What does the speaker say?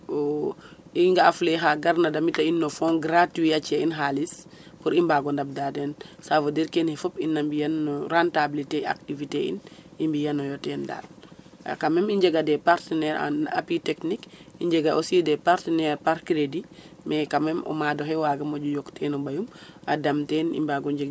I nga'afulee oxa garna damita in no fond gratuit a ci'a in xaalis pour i mbaag o ndabda den ça veut dire kene fop ina mbi'an no rentabliter activité in i mbiyanooyo ten dal quand meme i njega des partenaire appuie technique i njega des partenaire par crédit mais quand meme o maad oxe waaga moƴo yok ten o ɓayum a dam ten i mbaag o njeg.